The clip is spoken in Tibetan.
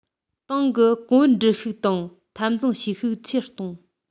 ཏང གི གོང བུར འགྲིལ ཤུགས དང འཐབ འཛིང བྱེད ཤུགས ཆེར གཏོང